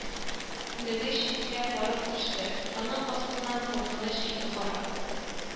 Леге читкә барып төште, аның астыннан куркыныч ике кара